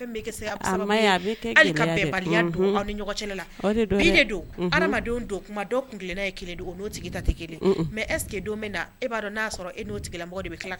Don kuma dɔ tunna kelen tigi ta kelen mɛ e bɛ b'a dɔn sɔrɔ